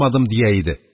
Алмадым», – дия иде.